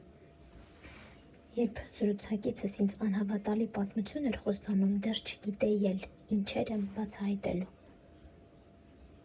Երբ զրուցակիցս ինձ անհավատալի պատմություն էր խոստանում, դեռ չգիտեի էլ, ինչեր եմ բացահայտելու։